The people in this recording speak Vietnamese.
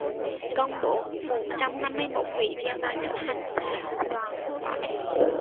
công bố một trăm năm mươi mốt ủy viên ban chấp hành đại học đoàn khóa x